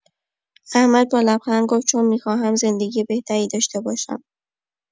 احمد با لبخند گفت: چون می‌خواهم زندگی بهتری داشته باشم.